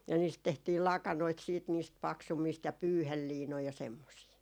ja niistä tehtiin lakanoita sitten niistä paksummista ja pyyheliinoja ja semmoisia